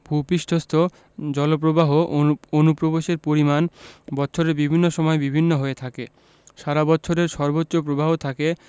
ভূ পৃষ্ঠস্থ জলপ্রবাহ অনুপ্রবেশের পরিমাণ বৎসরের বিভিন্ন সময়ে বিভিন্ন হয়ে থাকে সারা বৎসরের সর্বোচ্চ প্রবাহ থাকে